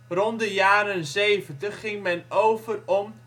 Rond de jaren zeventig ging men over om